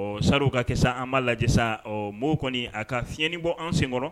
Saridu ka kɛ an' lajɛ mɔgɔw kɔni a ka fiɲɛɲɛni bɔ an senkɔrɔ